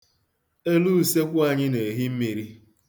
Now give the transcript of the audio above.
Elu usekwu anyị na-ehi mmiri.